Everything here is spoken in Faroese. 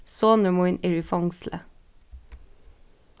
sonur mín er í fongsli